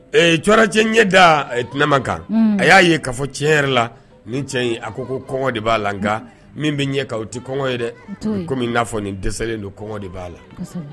C cɛ ɲɛ da tma kan a y'a ye ka fɔ cɛn yɛrɛ la ni cɛ a ko ko kɔngɔ de b'a la nka min bɛ ɲɛ' o tɛ kɔngɔ ye dɛ komi n'a fɔ ni dɛsɛlen don kɔgɔ de b'a la